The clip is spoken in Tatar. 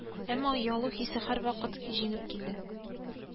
Безнең вагон дырк итеп китте.